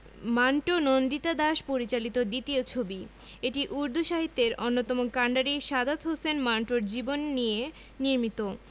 মান্টো নন্দিতা দাস পরিচালিত দ্বিতীয় ছবি এটি উর্দু সাহিত্যের অন্যতম কান্ডারি সাদাত হাসান মান্টোর জীবন নিয়ে নির্মিত